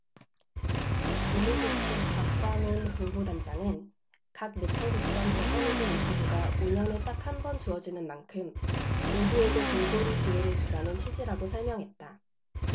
문 후보 측 박광온 공보단장은 각 매체로선 대선 후보 인터뷰가 오 년에 딱 한 번 주어지는 만큼 모두에게 골고루 기회를 주자는 취지라고 설명했다